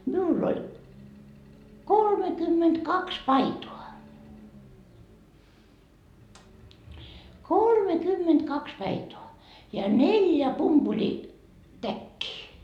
minulla oli kolmekymmentäkaksi paitaa kolmekymmentäkaksi paitaa ja neljä pumpulitäkkiä